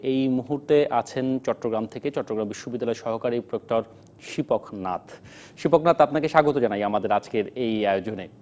এই মুহূর্তে আছেন চট্টগ্রাম থেকে চট্টগ্রাম বিশ্ববিদ্যালয়ের সহকারী প্রক্টর শিপক নাথ আপনাকে স্বাগত জানাই আমাদের আজকের এই আয়োজনে